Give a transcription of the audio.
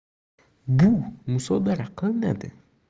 bu musodara qilinadi